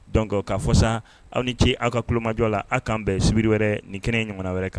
Don k'a fɔ sa aw ni ce aw ka tulomajɔ la aw k'an bɛn sbiri wɛrɛ nin kɛnɛ jamana wɛrɛ kan